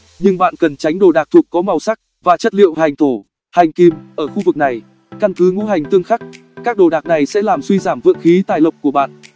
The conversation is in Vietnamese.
nhưng bạn cần tránh đồ đạc thuộc có màu sắc và chất liệu hành thổ hành kim ở khu vực này căn cứ ngũ hành tương khắc các đồ đạc này sẽ làm suy giảm vượng khí tài lộc của bạn